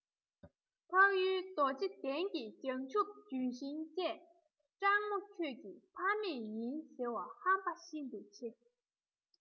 འཕགས ཡུལ རྡོ རྗེ གདན གྱི བྱང ཆུབ ལྗོན ཤིང བཅས སྤྲང མོ ཁྱོད ཀྱི ཕ མེས ཡིན ཟེར བ ཧམ པ ཤིན ཏུ ཆེ